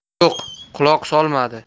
yo'q quloq solmadi